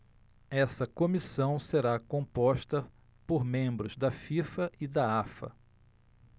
essa comissão será composta por membros da fifa e da afa